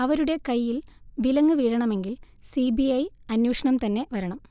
അവരുടെ കയ്യിൽ വിലങ്ങ് വീഴണമെങ്കിൽ സി ബി ഐ അന്വേഷണം തന്നെ വരണം